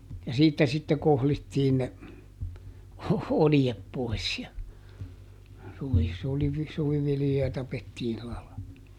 ja siitä sitten kohlittiin ne oljet pois ja -- suviviljoja tapettiin sillä -